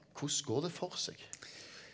hvordan går det for seg?